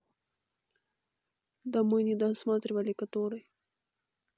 да мы не досматривали который